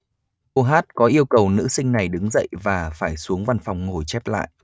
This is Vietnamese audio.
cô h có yêu cầu nữ sinh này đứng dậy và phải xuống văn phòng ngồi chép lại